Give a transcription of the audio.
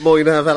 ...mwy na fel...